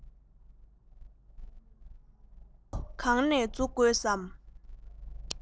མགོ གང ནས འཛུགས དགོས སམ